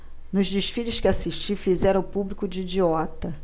nos desfiles que assisti fizeram o público de idiota